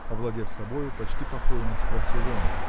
— овладев собой, почти покойно спросил он.